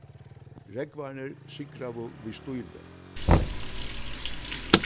rógvararnir sigraðu við stíli